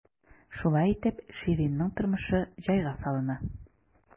Шулай итеп, Ширинның тормышы җайга салына.